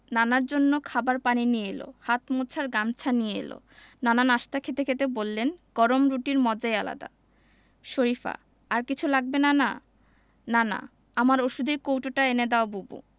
নানার জন্য খাবার পানি নিয়ে এলো হাত মোছার গামছা নিয়ে এলো নানা নাশতা খেতে খেতে বললেন গরম রুটির মজাই আলাদা শরিফা আর কিছু লাগবে নানা নানা আমার ঔষধের কৌটোটা এনে দাও বুবু